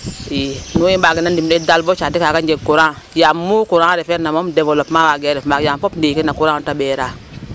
II nu i mbaagee na ndimle'it rek bo caate kaaga njeg courant yam mu courant referna mom développement waagee ref maaga yam fop no courant yo ta ɓeera.